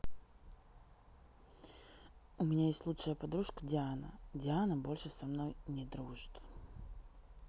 у меня есть лучшая подружка диана диана больше со мной не дружит